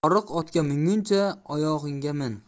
oriq otga minguncha oyog'ingga min